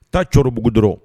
Taa c bugu dɔrɔn rɔ